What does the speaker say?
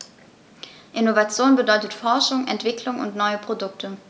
Innovation bedeutet Forschung, Entwicklung und neue Produkte.